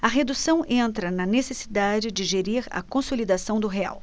a redução entra na necessidade de gerir a consolidação do real